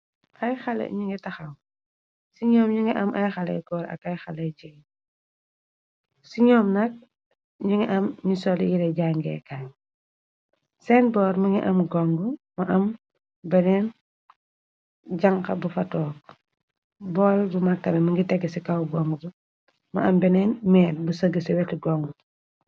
Axae ñu ngi taxaw ci ñoom ñu ngi am ay xalay goor ak ay xalay ji ci ñoom nak ñu ngi am ñi soli yire jangee kaañ seen boor mi ngi am gong ma am beneen janx bu fatoog bool bu magtame mingi teg ci kaw gongs ma am beneen meer bu sëg ci wet gong.